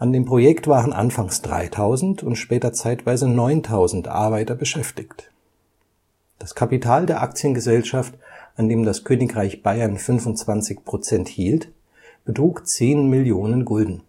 dem Projekt waren anfangs 3000 und später zeitweise 9000 Arbeiter beschäftigt. Das Kapital der Aktiengesellschaft, an dem das Königreich Bayern 25 % hielt, betrug 10 Millionen Gulden